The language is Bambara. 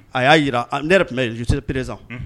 A y'a yira a ne yɛrɛ tun bɛ ye j'étais peésent unh